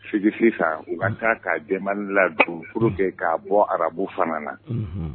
Sisan , u ka kan ka demande la don _ pour que k'a bɔ arabu fana na.